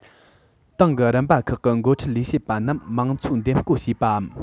ཏང གི རིམ པ ཁག གི འགོ ཁྲིད ལས བྱེད པ རྣམས དམངས གཙོས འདེམས བསྐོ བྱས པའམ